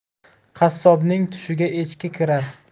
qassobning tushiga echki kirar